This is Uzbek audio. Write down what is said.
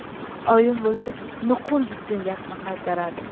oyim bo'lsa nuqul bitta gapni qaytaradi